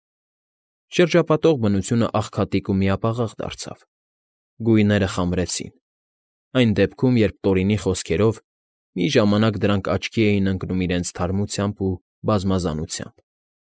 Շրջապատող բնությունն աղքատիկ ու միապաղաղ դարձավ, գույները խամրեցին, այն դեպքում, երբ Տորինի խոսքերով, մի ժամանակ դրանք աչքի էին ընկնում իրենց թարմությամբ ու բազմազանությամբ։